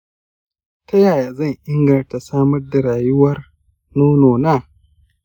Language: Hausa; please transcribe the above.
tayaya zan inganta samar da ruwar nono na